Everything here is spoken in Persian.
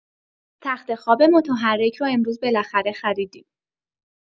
تخت‌خواب متحرک رو امروز بالاخره خریدیم.